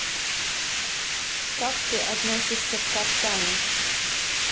как ты относишься к кортане